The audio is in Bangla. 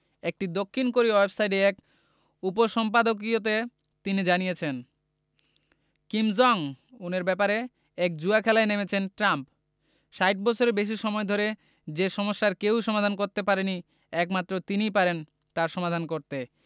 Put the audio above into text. একটি দক্ষিণ কোরীয় ওয়েবসাইটে এক উপসম্পাদকীয়তে তিনি জানিয়েছেন কিম জং উনের ব্যাপারে এক জুয়া খেলায় নেমেছেন ট্রাম্প ৬০ বছরের বেশি সময় ধরে যে সমস্যার কেউ সমাধান করতে পারেনি একমাত্র তিনিই পারেন তার সমাধান করতে